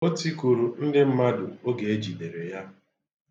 O tikuru ndị mmadụ oge e jidere ya.